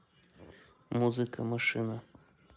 музыка машина